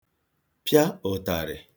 pịa ụ̀tàrị̀